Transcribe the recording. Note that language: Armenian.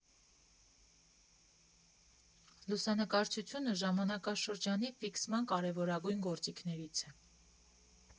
Լուսանկարչությունը ժամանակաշրջանի ֆիքսման կարևորագույն գործիքներից է։